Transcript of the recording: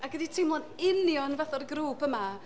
Ac wedi teimlo'n union fatha'r grŵp yma.